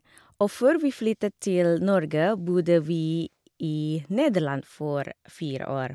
Og før vi flyttet til Norge, bodde vi i Nederland for fire år.